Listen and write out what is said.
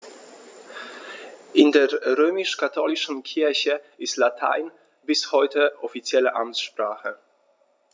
In der römisch-katholischen Kirche ist Latein bis heute offizielle Amtssprache.